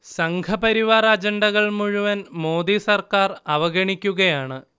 സംഘപരിവാർ അജണ്ടകൾ മുഴുവൻ മോദി സർക്കാർ അവഗണിക്കുകയാണ്